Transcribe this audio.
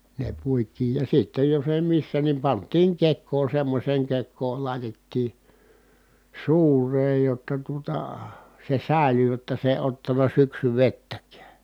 ne puitiin ja sitten jos ei missä niin pantiin kekoon semmoiseen kekoon laitettiin suureen jotta tuota se säilyi jotta se ei ottanut syksyvettäkään